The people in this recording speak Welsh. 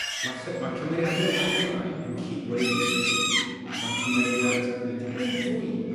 ma' the- ma' cymeriade a themâu yn cyd-weu, felly a ma' cymeriad yn dipyn yn fwy